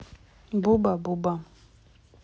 буба буба